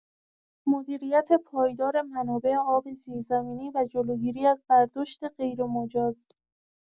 مدیریت پایدار منابع آب زیرزمینی و جلوگیری از برداشت غیرمجاز